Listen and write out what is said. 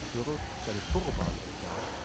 Quirrell seinen Turban entfernt,